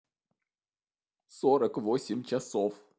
сорок восемь часов